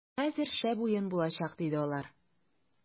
- хәзер шәп уен булачак, - диде алар.